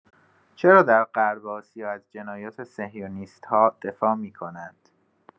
چرا در غرب آسیا از جنایات صهیونیست‌ها دفاع می‌کنند؟